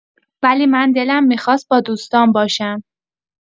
ولی من دلم می‌خواست با دوستام باشم